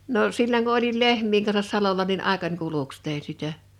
no silloin kun olin lehmien kanssa salolla niin aikani kuluksi tein sitä